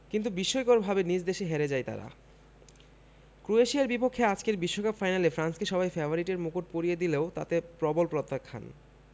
কিন্তু বিস্ময়করভাবে নিজ দেশে হেরে যায় তারা ক্রোয়েশিয়ার বিপক্ষে আজকের বিশ্বকাপ ফাইনালে ফ্রান্সকে সবাই ফেভারিটের মুকুট পরিয়ে দিলেও তাতে প্রবল প্রত্যাখ্যান